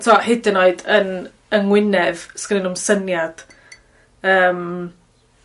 t'wo' hyd yn oed yn yn Ngwynedd sgynnyn nw 'im syniad. Yym.